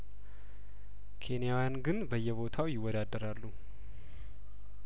ኬንያውያን ግን በየቦታው ይወዳ ደራሉ